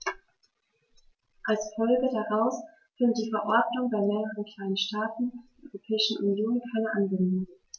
Als Folge daraus findet die Verordnung bei mehreren kleinen Staaten der Europäischen Union keine Anwendung.